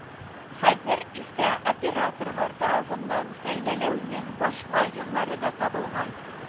Хәзер исә операторлар тарафыннан хәйләләүнең башка юллары да табылган